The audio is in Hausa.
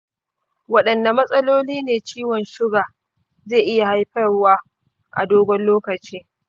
wadanne matsaloli ne ciwon suga zai iya haifarwa a dogon lokaci?